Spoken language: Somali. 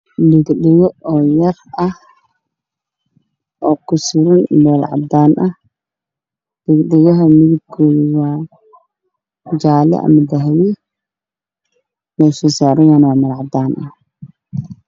Dhago dhago o yar ah oo ku suran meel cadan ah dhago dhagahan midibkodu waa jaale ama dahabi meshi saran yahy waa meel cadaan ah